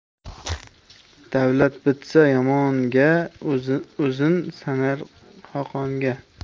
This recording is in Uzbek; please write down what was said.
davlat bitsa yomonga o'zin sanar xoqonga